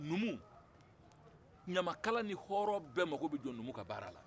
numu ɲamakala ni horon bɛɛ mako bɛ jɔ numu ka baara la